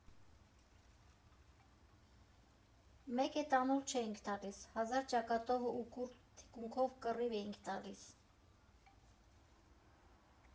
Մեկ է, տանուլ չէինք տալիս, հազար ճակատով ու կուռ թիկունքով կռիվ էինք տալիս։